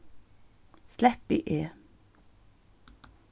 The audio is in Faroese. sleppi eg